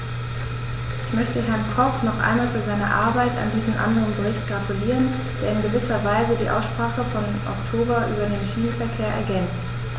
Ich möchte Herrn Koch noch einmal für seine Arbeit an diesem anderen Bericht gratulieren, der in gewisser Weise die Aussprache vom Oktober über den Schienenverkehr ergänzt.